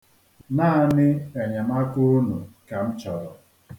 Naanị enyemaka unu ka m chọrọ.